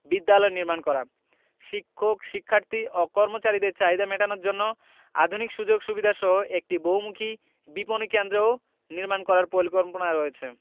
বিদ্যালয় নির্মাণ করা শিক্ষক শিক্ষার্থী ও কর্মচারীদের চাহিদা মেটানোর জন্য আধুনিক সুযোগ সুবিধাসহ একটি বহুমুখী বিপণি কেন্দ্রও নির্মাণ করার পরিকল্পনা রয়েছে